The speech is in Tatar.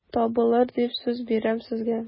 Табылыр дип сүз бирәм сезгә...